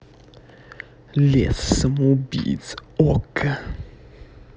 лес самоубийц okko